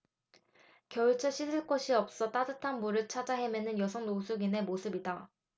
겨울철 씻을 곳이 없어 따뜻한 물을 찾아 헤매는 여성 노숙인들의 모습이다